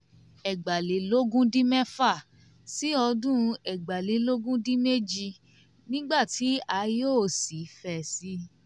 Àwọn dátà tí ìwé ìròyìn Iwacu kò jọ ṣe àfihàn ìlọsókè ìgbà gbogbo iye àwọn ẹlẹ́wọ̀n orílẹ̀-èdè náà lèyí tí wọ́n ti kúnfọ́nfọ́n tẹ́lẹ̀ láti ọdún 2014 sí ọdún 2018, nígbà tí ààyè ò sì fẹ̀ si.